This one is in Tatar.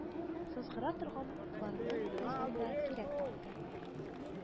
´сызгыра торган укларªны язганда кирәк тапты